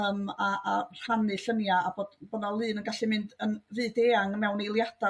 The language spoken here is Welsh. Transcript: yym a a rhannu llunia' a bod bo 'na lun yn gallu mynd yn fyd-eang mewn eiliada'